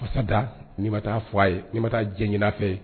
Masasada ni ma taa f a ye n ma taa jɛ ɲina fɛ